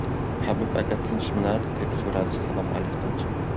habib aka tinchmilar deb so'radi salom alikdan so'ng